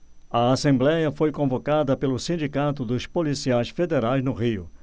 a assembléia foi convocada pelo sindicato dos policiais federais no rio